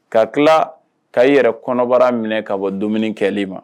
Ka tila k' i yɛrɛ kɔnɔbara minɛ ka bɔ dumuni kɛli ma